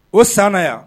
O san na yan